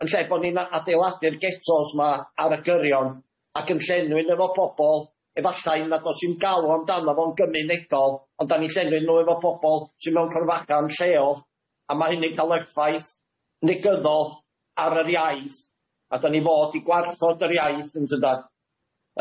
Yn lle bo' ni'n a- adeiladu'r getos ma' ar y gyrion ac yn llenwi nhw efo bobol efallai nad o's un galw amdano fo'n gymunedol ond dan ni'n llenwi nw efo bobol sy mewn corfagan lleol a ma' hynny'n ca'l effaith negyddol ar yr iaith a dan ni fod i gwarthod yr iaith yn tydan?